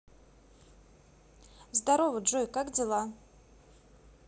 здорово джой как дела